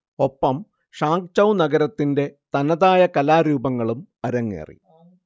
ഒപ്പം ഷാങ്ചോവ് നഗരത്തിന്റെ തനതായ കലാരൂപങ്ങളും അരങ്ങേറി